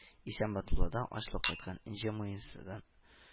Истәнбатулладан ачлып кайткан энҗе муенсадан